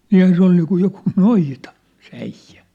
niinhän se oli niin kuin joku noita se äijä